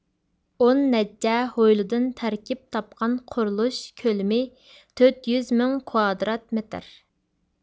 ئون نەچچە ھويلىدىن تەركىب تاپقان قۇرۇلۇش كۆلىمى تۆت يۈز مىڭ كۇۋادىرات مېتىر